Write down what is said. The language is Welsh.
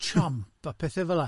Chomp a pethe fela.